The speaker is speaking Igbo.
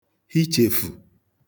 hichèfù